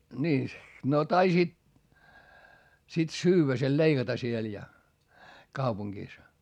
niin no taisit sitten syödä sen leikata siellä ja kaupungissa